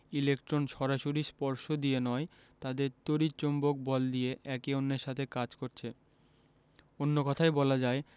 electron সরাসরি স্পর্শ দিয়ে নয় তাদের তড়িৎ চৌম্বক বল দিয়ে একে অন্যের সাথে কাজ করছে অন্য কথায় বলা যায়